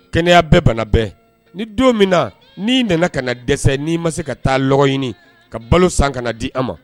Kɛnɛya bɛɛ, bana bɛɛ, ni don min na ,n'i nana ka na dɛsɛ, n'i ma se ka taa lɔgɔ ɲini ka balo san ka na di an ma!